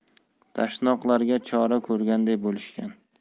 dashnoqlarga chora ko'rganday bo'lishgan